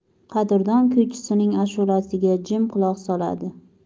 qadrdon kuychisining ashulasiga jim quloq soladi